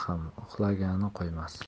ham uxlagani qo'ymas